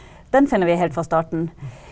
den finner vi helt fra starten.